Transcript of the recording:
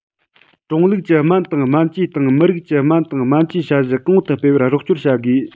ཀྲུང ལུགས ཀྱི སྨན དང སྨན བཅོས དང མི རིགས ཀྱི སྨན དང སྨན བཅོས བྱ གཞག གོང དུ སྤེལ བར རོགས སྐྱོར བྱ དགོས